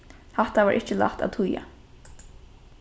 hatta var ikki lætt at týða